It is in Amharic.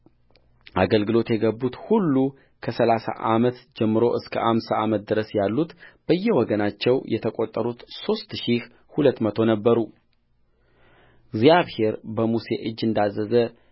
አገልግሎት የገቡት ሁሉ ከሠላሳ ዓመት ጀምሮ እስከ አምሳ ዓመት ድረስ ያሉትበየወገናቸው የተቈጠሩት ሦስት ሺህ ሁለት መቶ ነበሩእግዚአብሔር በሙሴ እጅ እንዳዘዘ